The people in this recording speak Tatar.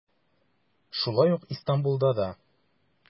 Шулай ук Истанбулда да.